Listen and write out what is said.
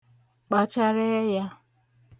kpàchara ẹyā